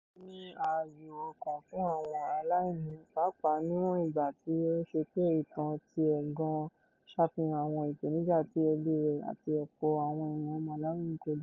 Ó ní ààyò ọkàn fún àwọn aláìní pàápàá níwọ̀n ìgbà tí ó ṣe pé ìtàn tiẹ̀ gan ṣàfihàn àwọn ìpènijà tí ẹbí rẹ̀ àti ọ̀pọ̀ àwọn èèyàn Malawi ń kojú.